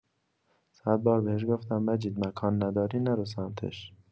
صدبار بهش گفتم مجید مکان نداری نرو سمتش.